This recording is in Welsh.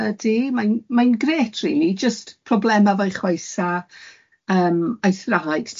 Ydi, mae'n mae'n grêt rili, jyst problemau efo'i chwaesa yym a'i thraid.